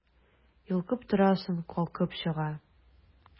Йолкып торасың, калкып чыга...